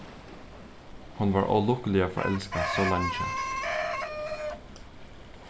hon var ólukkuliga forelskað so leingi